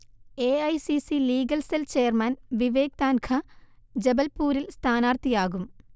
A I C C legal cell chairman Vivek Tankha ജബൽപൂരിൽ സ്ഥാനാർഥിയാകും